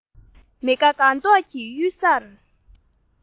མི དགའ དགའ མདོག གིས གཡུལ སར